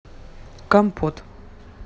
компот